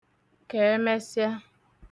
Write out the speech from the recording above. kẹ̀ẹmẹsịa